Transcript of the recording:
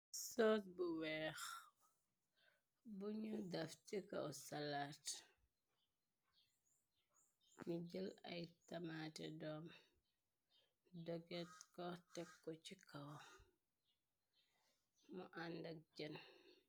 Sag bu weex bunu daf ci kaw salaat ni jël ay tamate doom doget ko tek ku ci kawam mu àndak jëen